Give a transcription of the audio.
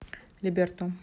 либерто